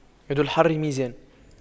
يد الحر ميزان